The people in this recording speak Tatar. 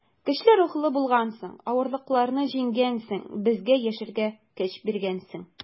Көчле рухлы булгансың, авырлыкларны җиңгәнсең, безгә яшәргә көч биргәнсең.